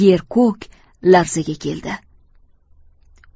yer ko'k larzaga keldi